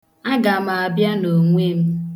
Aga m abịa n'onwe m.